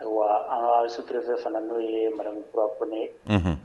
Ayiwa an suurfɛ fana n'o ye marakura kɔnɛ ye